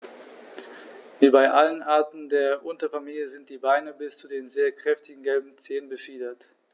Wie bei allen Arten der Unterfamilie sind die Beine bis zu den sehr kräftigen gelben Zehen befiedert.